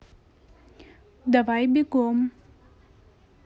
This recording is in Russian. давай бегом